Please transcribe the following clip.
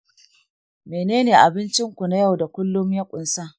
menene abincin ku na yau da kullun ya ƙunsa?